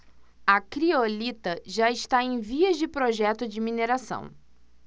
a criolita já está em vias de projeto de mineração